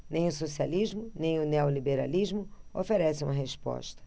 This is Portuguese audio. nem o socialismo nem o neoliberalismo oferecem uma resposta